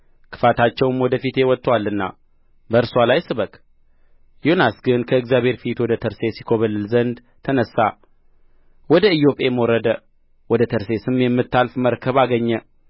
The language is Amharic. ክፉታቸውም ወደ ፊቴ ወጥቶአልና በእርስዋ ላይ ስበክ ዮናስ ግን ከእግዚአብሔር ፊት ወደ ተርሴስ ይኰበልል ዘንድ ተነሣ ወደ ኢዮጴም ወረደ ወደ ተርሴስም የምታልፍ መርከብ አገኘ